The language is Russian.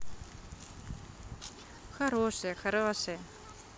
хорошее хорошее